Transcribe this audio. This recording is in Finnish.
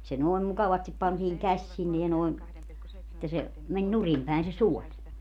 se noin mukavasti pantiin käsi sinne ja noin että se meni nurin päin se suoli